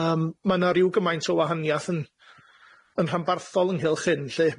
Yym ma' na ryw gymaint o wahaniaeth yn yn rhanbarthol ynghylch hyn lly,